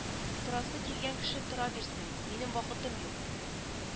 — торасы килгән кеше тора бирсен, минем вакытым юк